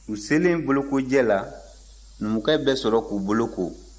u selen bolokojɛ la numukɛ bɛ sɔrɔ k'u boloko